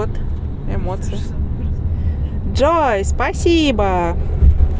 джой спасибо